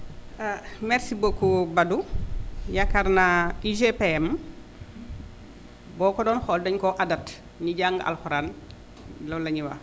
ah merci beaucoup Bdou yaakaar naa UGPM boo ko doon xool dañu ko adapte ñi jàng alxuraan loolu la ñuy wax